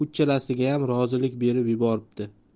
deb uchalasigayam rozilik berib yuboribdi